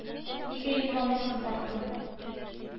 Нигә йокламыйсың картым